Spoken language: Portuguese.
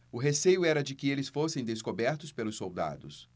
o receio era de que eles fossem descobertos pelos soldados